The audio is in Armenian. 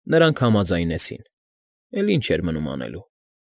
Նրանք համաձայնեցին. էլ ի՞նչ էր մնում անելու։